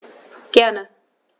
Gerne.